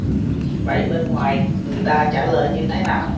vậy bên ngoài người ta trả lời như thế nào